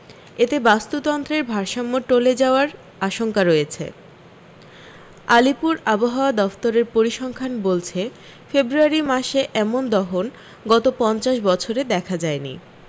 এতে বাস্তুতন্ত্রের ভারসাম্য টলে যাওয়ার আশঙ্কা রয়েছে আলিপুর আবহাওয়া দফতরের পরিসংখ্যান বলছে ফেব্রুয়ারি মাসে এমন দহন গত পঞ্চাশ বছরে দেখা যায়নি